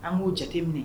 An b'o jate minɛ.